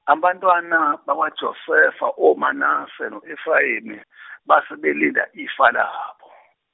abantwana bakwaJosefa oManase no Efrayimi base belidla ifa labo.